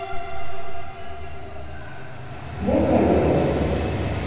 гонка рукола